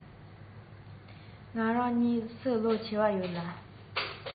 ང རང གཉིས སུ ལོ ཆེ བ ཡོད ན